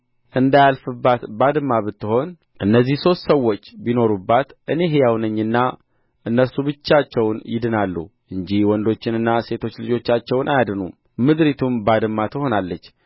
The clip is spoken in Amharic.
እንዳያልፍባት ባድማ ብትሆን እነዚህ ሦስት ሰዎች ቢኖሩባት እኔ ሕያው ነኝና እነርሱ ብቻቸውን ይድናሉ እንጂ ወንዶችንና ሴቶች ልጆቻቸውን አያድኑም ምድሪቱም ባድማ ትሆናለች